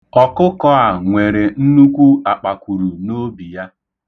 Ọkụkọ a nwere nnukwu akpakwuru n'obi ya.